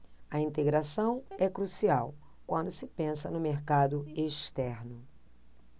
a integração é crucial quando se pensa no mercado externo